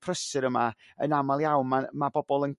prysur yma yn amal iawn ma' ma' bobol yn